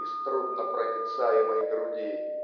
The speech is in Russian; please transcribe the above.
из труднопроницаемой груди.